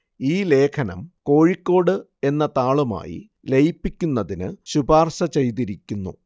ഈ ലേഖനം കോഴിക്കോട് എന്ന താളുമായി ലയിപ്പിക്കുന്നതിന് ശുപാർശ ചെയ്തിരിക്കുന്നു